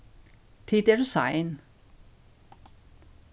tit eru sein